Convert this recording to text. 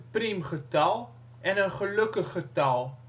priemgetal. een gelukkig getal